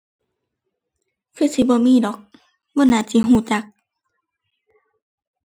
คือสิบ่มีดอก บ่น่าสิรู้จัก